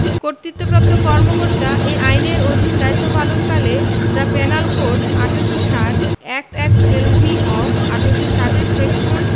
কর্তৃত্বপ্রাপ্ত কর্মকর্তা এই আইনের অধীন দায়িত্ব পালনকালে the penal code ১৮৬০ act XLV of ১৮৬০ এর সেকশন